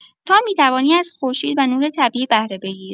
تا می‌توانی از خورشید و نور طبیعی بهره بگیر.